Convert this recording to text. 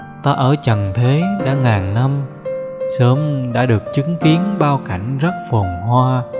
ta ở trần thế đã ngàn năm sớm đã được chứng kiến bao cảnh rất phồn hoa